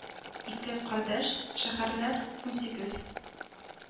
Ике кардәш шәһәрләр унсигез: